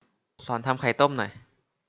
สอนทำไข่ต้มหน่อย